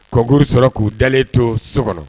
Kogokuru sɔrɔ k'u dalen to so kɔnɔ